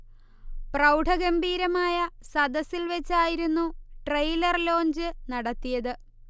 പ്രൗഢഗംഭീരമായ സദസ്സിൽ വെച്ചായിരുന്നു trailer launch നടത്തിയത്